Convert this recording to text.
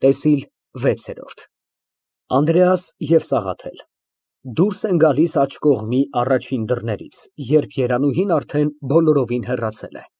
ՏԵՍԻԼ վեց ԱՆԴՐԵԱՍ ԵՎ ՍԱՂԱԹԵԼ Դուրս են գալիս աջ կողմի առաջին դռներից, երբ Երանուհին արդեն բոլորովին հեռացել է։